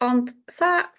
ond 'sa-